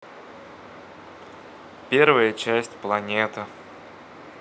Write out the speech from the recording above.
первая часть планета